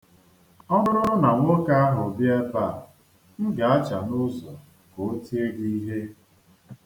O buru na nwoke ahụ bịa ebe a, m ga-acha n'ụzọ ka o tie gị ihe.